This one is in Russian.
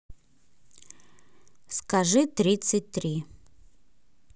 скажи тридцать три